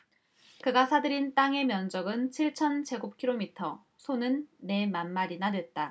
그가 사 들인 땅의 면적은 칠천 제곱키로미터 소는 네 만마리나 됐다